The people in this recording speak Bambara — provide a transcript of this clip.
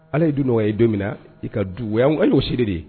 Ala ye dun nɔgɔya ye don min na i ka du y'o siri de ye